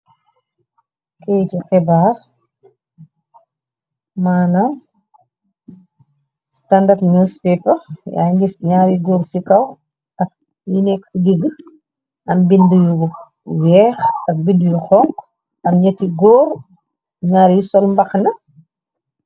Keyti xebaar maanam standard newspaper, ya ngis ñaari góor ci kaw ak yi neki ci diggi am bindi yu weex ak bindi yu xonku, am ñgetti góor ñaari sol mbaxana.